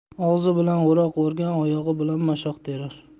og'zi bilan o'roq o'rgan oyog'i bilan mashoq terar